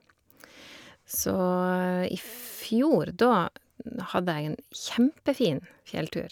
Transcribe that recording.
Så i fjor, da hadde jeg en kjempefin fjelltur.